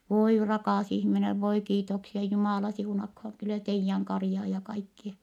voi rakas ihminen voi kiitoksia Jumala siunatkoon kyllä teidän karjaa ja kaikkia